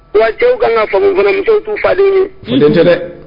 Wa cɛw ka kan ka famuso'u fadenw muso kosɛbɛ